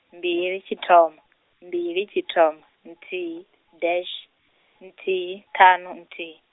mbili tshithoma, mbili tshithoma, nthihi, dash, nthihi, ṱhanu, nthihi.